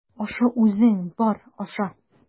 Аша үзең, бар, аша!